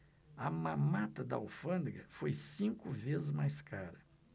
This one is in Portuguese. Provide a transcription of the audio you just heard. a mamata da alfândega foi cinco vezes mais cara